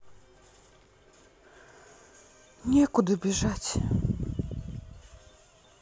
некуда бежать